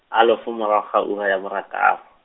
halofo morago ga ura ya borataro.